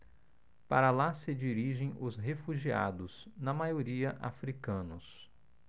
para lá se dirigem os refugiados na maioria hútus